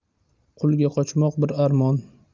qulga qochmoq bir armon